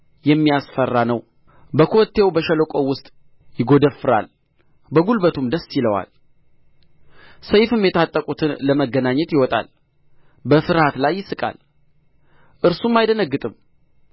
የሚያስፈራ ነው በኮቴው በሸለቆው ውስጥ ይጐደፍራል በጉልበቱም ደስ ይለዋል ሰይፍም የታጠቁትን ለመገናኘት ይወጣል በፍርሃት ላይ ይስቃል እርሱም አይደነግጥም